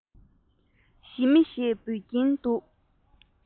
ཞི མི ཞེས འབོད ཀྱིན འདུག